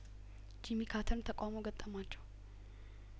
ጂሚ ካር ተን ተቃውሞ ገጠማቸው